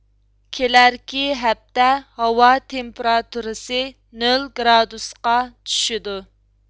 كېلەركى ھەپتە ھاۋا تېمپراتۇرىسى نۆل گرادۇسقا چۈشىدۇ